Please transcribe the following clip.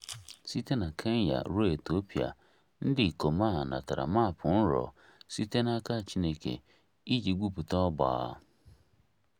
Site na Kenya ruo Etiopia, ndị ikom a natara maapụ nrọ sitere n'aka Chineke iji gwupụta ọgba